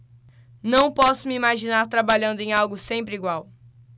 não posso me imaginar trabalhando em algo sempre igual